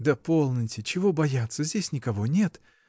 — Да полноте, чего бояться — здесь никого нет.